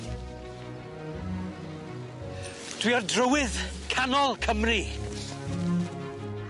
Dwi ar drywydd canol Cymru.